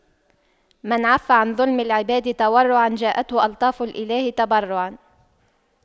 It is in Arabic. من عَفَّ عن ظلم العباد تورعا جاءته ألطاف الإله تبرعا